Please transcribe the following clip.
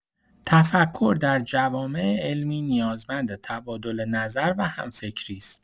تفکر در جوامع علمی نیازمند تبادل‌نظر و همفکری است.